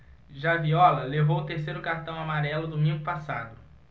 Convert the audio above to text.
já viola levou o terceiro cartão amarelo domingo passado